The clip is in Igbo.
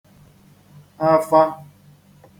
afa